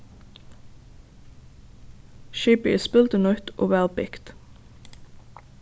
skipið er spildurnýtt og væl bygt